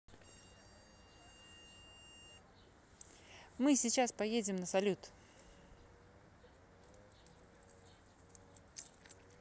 мы сейчас поедем на салют